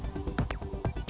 nhắc